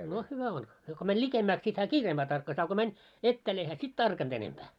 no hyvä on se kun meni likemmäksi sitten hän kiireempää tarkkasi a kun meni etäälle ei hän sitten tarkannut enempää